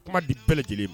Kuma di bɛɛ lajɛlen